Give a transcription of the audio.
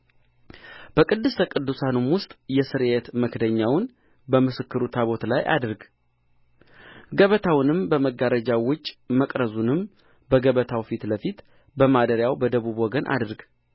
በቅድስተ ቅዱሳኑም ውስጥ የስርየት መክደኛውን በምስክሩ ታቦት ላይ አድርግ ገበታውንም በመጋረጃው ውጭ መቅረዙንም በገበታው ፊት ለፊት በማደሪያው በደቡብ ወገን አድርግ